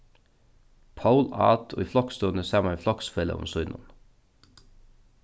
poul át í floksstovuni saman við floksfeløgum sínum